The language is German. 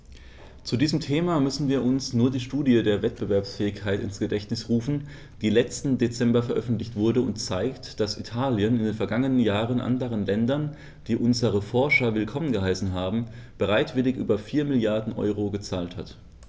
Zu diesem Thema müssen wir uns nur die Studie zur Wettbewerbsfähigkeit ins Gedächtnis rufen, die letzten Dezember veröffentlicht wurde und zeigt, dass Italien in den vergangenen Jahren anderen Ländern, die unsere Forscher willkommen geheißen haben, bereitwillig über 4 Mrd. EUR gezahlt hat.